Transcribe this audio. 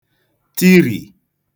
tirì